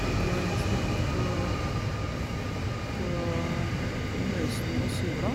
Det var en som gikk på på Mausen og Sula.